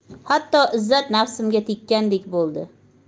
hatto izzat nafsimga tekkandek bo'ldi